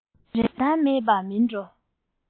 རིན ཐང མེད པ མིན འགྲོ